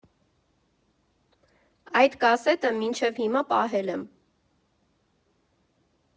Այդ կասետը մինչև հիմա պահել եմ։